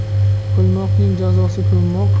o'lmoqning jazosi ko'mmoq